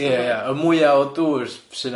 Ia ia y mwya o dŵr sy 'na